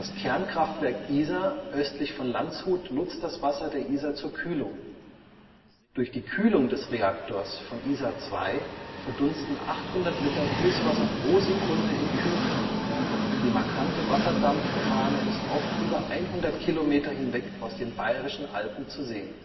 Kernkraftwerk Isar östlich von Landshut nutzt das Wasser der Isar zur Kühlung. Durch die Kühlung des Reaktors von Isar II verdunsten 800 Liter Flusswasser pro Sekunde im Kühlturm; die markante Wasserdampffahne ist oft über 100 km hinweg aus den Bayerischen Alpen zu sehen